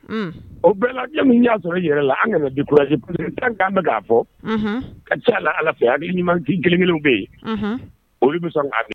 O bɛɛja y'a sɔrɔ yɛrɛ la an bikura mɛn fɔ ka ca la ala fɛ hali ɲuman kelen kelen bɛ yen olu bɛ